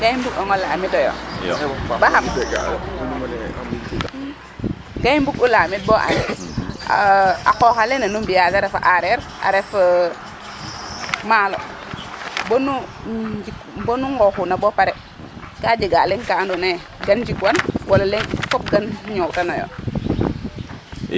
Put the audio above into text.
ka i mbug'ong o lamitooyo baxam ga i mbug'u lamitooyo bo and a qooq aleene nu mbi'aa ta ref a areer a ref maalo bo nu njikwuna bo nu nqooxuna bo pare ka jega leŋ ka andoona yee gan njikwan wala fop gan ñoowtanooyo?